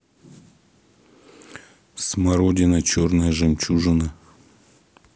смородина черная жемчужина